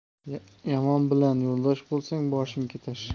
yomon bilan yo'ldosh bo'lsang boshing ketar